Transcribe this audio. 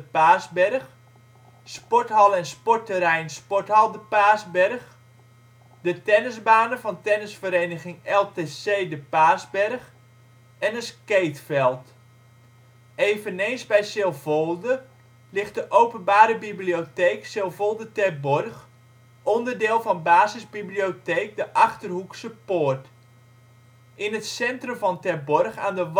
Paasberg, sporthal en sportterreinen Sporthal De Paasberg, de tennisbanen van tennisvereniging LTC De Paasberg en een skateveld. Eveneens bij Silvolde ligt de Openbare bibliotheek Silvolde/Terborg, onderdeel van Basisbibliotheek De Achterhoekse Poort. In het centrum van Terborg, aan de Walstraat